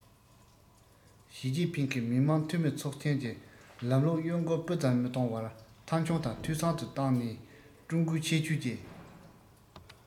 ཞིས ཅིན ཕིང གིས མི དམངས འཐུས མི ཚོགས ཆེན གྱི ལམ ལུགས གཡོ འགུལ སྤུ ཙམ མི གཏོང བར མཐའ འཁྱོངས དང འཐུས ཚང དུ བཏང ནས ཀྲུང གོའི ཁྱད ཆོས ཀྱི